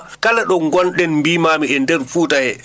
kala ɗo ngonɗen mbiimaami e ndeer Fuuta hee